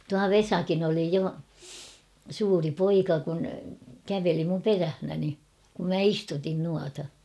tuo Vesakin oli jo suuri poika kun käveli minun perässäni kun minä istutin noita